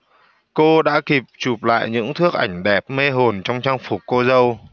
cô đã kịp chụp lại những thước ảnh đẹp mê hồn trong trang phục cô dâu